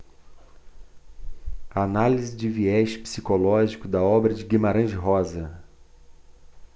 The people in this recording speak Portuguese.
análise de viés psicológico da obra de guimarães rosa